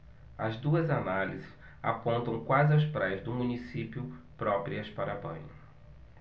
as duas análises apontam quais as praias do município próprias para banho